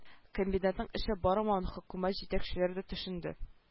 Комбинатның эше бармавын хөкүмәт җитәкчеләре дә төшенде